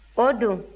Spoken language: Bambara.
o don